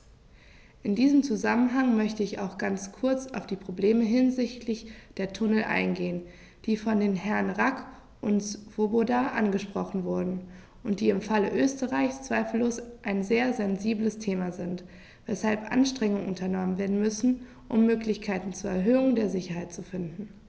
In diesem Zusammenhang möchte ich auch ganz kurz auf die Probleme hinsichtlich der Tunnel eingehen, die von den Herren Rack und Swoboda angesprochen wurden und die im Falle Österreichs zweifellos ein sehr sensibles Thema sind, weshalb Anstrengungen unternommen werden müssen, um Möglichkeiten zur Erhöhung der Sicherheit zu finden.